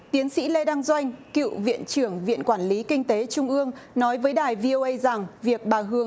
tiến sĩ lê đăng doanh cựu viện trưởng viện quản lý kinh tế trung ương nói với đài vi o ây rằng việc bà hường